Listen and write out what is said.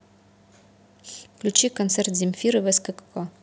включи концерт земфиры в скк